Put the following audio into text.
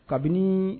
Kabini